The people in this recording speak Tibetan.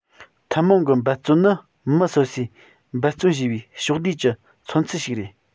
ཐུན མོང གི འབད བརྩོན ནི མི སོ སོས འབད བརྩོན བྱས པའི ཕྱོགས བསྡུས ཀྱི མཚོན ཚུལ ཞིག རེད